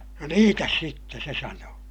no niitä sitten se sanoi